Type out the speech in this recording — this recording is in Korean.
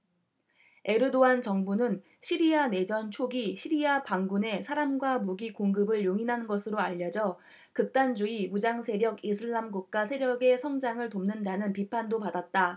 에르도안 정부는 시리아 내전 초기 시리아 반군에 사람과 무기 공급을 용인한 것으로 알려져 극단주의 무장세력 이슬람국가 세력의 성장을 돕는다는 비판도 받았다